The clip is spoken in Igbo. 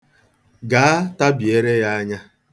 Gaa, tabiere ya anya.